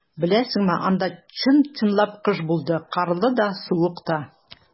Беләсеңме, анда чын-чынлап кыш булды - карлы да, суык та.